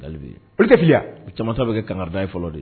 Fiya caman bɛ kɛ kanda ye fɔlɔ de